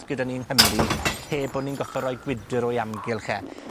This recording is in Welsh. sgyda ni'ng Nghymru, heb bo' ni'n go'ffo' roi gwydyr o'i amgylch e.